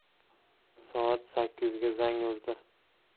soat sakkizga zang urdi